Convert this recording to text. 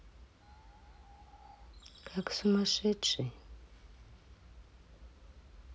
как сумасшедший